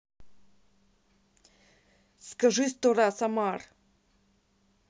скажи сто раз омар